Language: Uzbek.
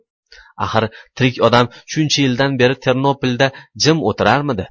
axir tirik odam shuncha yildan beri ternopolda jim o'tirarmidi